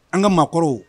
An ka maakɔrɔw